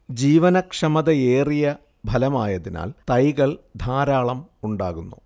ജീവനക്ഷമതയേറിയ ഫലമായതിനാൽ തൈകൾ ധാരാളം ഉണ്ടാകുന്നു